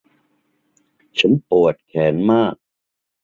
ฉันปวดแขนมาก